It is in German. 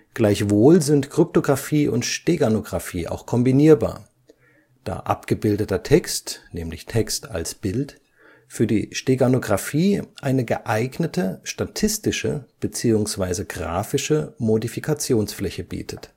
Gleichwohl sind Kryptographie und Steganographie auch kombinierbar, da abgebildeter Text (Text als Bild) für die Steganographie eine geeignete statistische, bzw. grafische Modifikationsfläche bietet